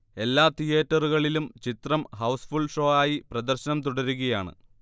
എല്ലാ തീയറ്ററുകളിലും ചിത്രം ഹൗസ്ഫുൾ ഷോ ആയി പ്രദർശനം തുടരുകയാണ്